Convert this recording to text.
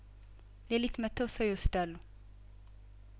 ሌሊት መጥተው ሰው ይወስዳሉ